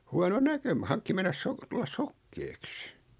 huono näkö minä hankki mennä - tulla sokeaksi